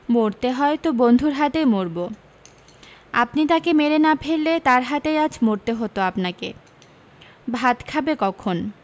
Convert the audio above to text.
মরতে হয় তো বন্ধুর হাতেই মরব আপনি তাকে মেরে না ফেললে তার হাতেই আজ মরতে হত আপনাকে ভাত খাবে কখোন